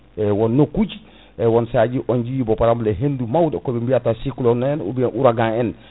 e won nokkuji won sahaji on jii bo p* hendu mawdu koɓe biyata cyclone air ou bien ouragan en